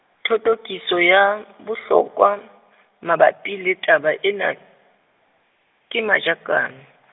thothokiso ya, bohlokwa, mabapi le taba ena, ke Majakane.